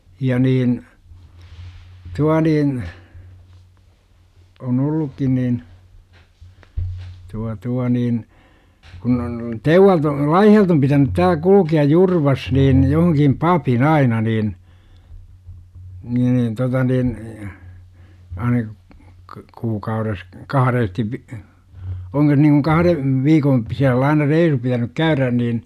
ja niin tuo niin on ollutkin niin tuo tuo niin kun on Teuvalta - Laihialta on pitänyt täällä - kulkea Jurvassa niin johonkin papin aina niin niin niin tuota niin aina - kuukaudessa kahdesti - onko se niin kuin kahden viikon sisällä aina reissu pitänyt käydä niin